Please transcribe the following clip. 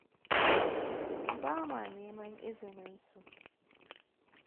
"Ba ma neman izinin su."